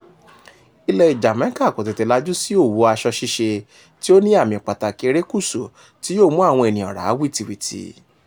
Ilẹ̀ Jamaica kò tètè lajú sí òwò aṣọ ṣíṣe tí ó ní ààmì pàtàkì erékùṣù tí yóò mú àwọn ènìyàn rà á wìtìwìtì.